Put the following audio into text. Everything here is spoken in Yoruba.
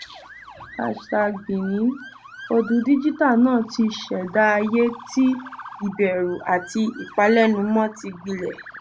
#Bénin Odù díjítà náà ti ṣẹ̀dá ayé tí ìbẹ̀rù àti ìpalẹ́numọ́ ti gbilẹ̀.